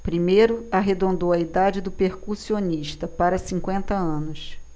primeiro arredondou a idade do percussionista para cinquenta anos